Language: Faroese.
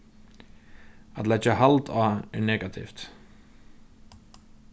at leggja hald á er negativt